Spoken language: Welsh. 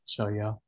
Joio.